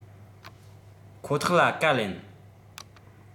ཁོ ཐག ལ བཀའ ལན